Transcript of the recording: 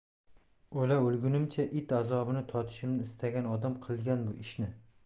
o'la o'lgunimcha it azobini totishimni istagan odam qilgan bu ishni